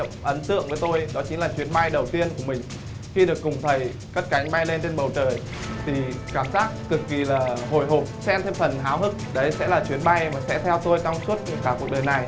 ấn tượng với tôi đó chính là chuyến bay đầu tiên của mình khi được cùng thầy cất cánh bay lên trên bầu trời thì cảm giác cực kỳ là hồi hộp xen thêm phần háo hức đấy sẽ là chuyến bay mà sẽ theo tôi trong suốt cả cuộc đời này